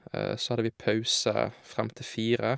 Så hadde vi pause frem til fire.